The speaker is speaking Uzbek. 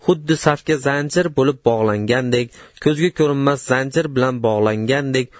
xuddi safga ko'zga ko'rinmas zanjir bilan bog'langandek